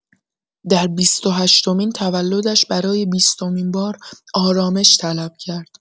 در بیست و هشتمین تولدش برای بیستمین بار آرامش طلب کرد.